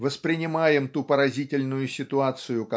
воспринимаем ту поразительную ситуацию